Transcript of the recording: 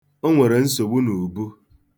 O nwere nsogbu n'ubu.